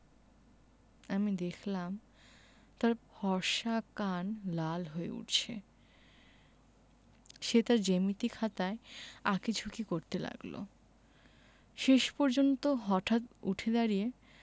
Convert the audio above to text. আমি দেখলাম তার ফর্সা কান লাল হয়ে উঠছে সে তার জ্যামিতি খাতায় আঁকি ঝুকি করতে লাগলো শেষ পর্যন্ত হঠাৎ উঠে দাড়িয়ে